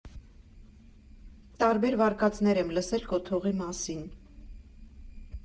Տարբեր վարկածներ եմ լսել կոթողի մասին։